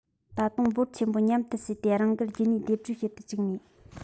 ད དུང འབོར ཆེན པོར མཉམ དུ གསོས ཏེ རང དགར རྒྱུད གཉིས སྡེབ སྦྱོར བྱེད དུ བཅུག ནས